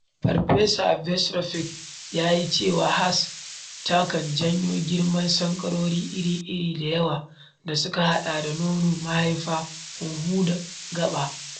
Farfesa Berzofsky ya yi cewa HERS takan "janyo girman sankarori iri-iri da yawa," da suka haɗa da nono, mahaifa, huhu da ƙaba.